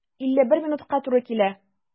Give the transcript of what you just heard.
51 минутка туры килә.